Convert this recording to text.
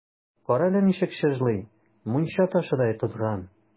Кара әле, ничек чыжлый, мунча ташыдай кызган!